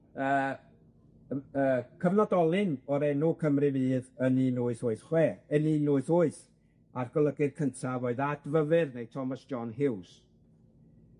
yy yym yy cyfnodolyn o'r enw Cymru fydd yn un wyth wyth chwe yn un wyth wyth, a'r golygydd cyntaf oedd Ad Fyfyr, neu Thomas John Hughes.